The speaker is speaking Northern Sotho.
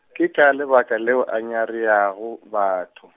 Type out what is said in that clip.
ke ka lebaka leo a nyareago batho.